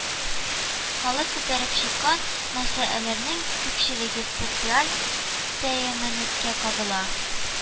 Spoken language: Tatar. Халык күтәреп чыккан мәсьәләләрнең күпчелеге социаль тәэминатка кагыла